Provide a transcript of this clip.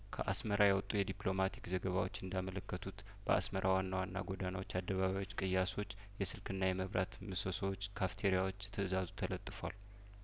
ከአስመራ የወጡ የዲፕሎማቲክ ዘገባዎች እንዳመለከቱት በአስመራ ዋና ዋና ጐዳናዎች አደባባዮች ቅያሶች የስልክና የመብራት ምሰሶዎች ካፍቴሪያዎች ትእዛዙ ተለጥፏል